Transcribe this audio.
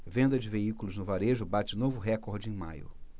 venda de veículos no varejo bate novo recorde em maio